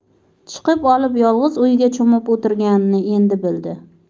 chiqib olib yolg'iz o'yga cho'mib o'tirganini endi bildi